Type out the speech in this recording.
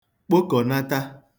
kpokọnata